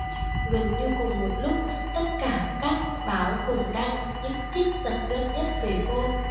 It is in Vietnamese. gần như cùng một lúc tất cả các báo cùng đăng những tít giật gân nhất về cô